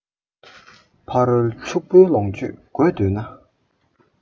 ཕ རོལ ཕྱུག པོའི ལོངས སྤྱོད དགོས འདོད ན